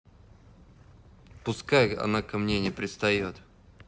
пускай она ко мне не пристает